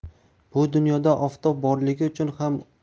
bu dunyoda oftob borligi uchun